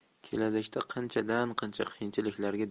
kelajakda qanchadan qancha qiyinchiliklarga